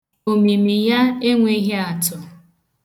Ọmimi ya enweghị atụ.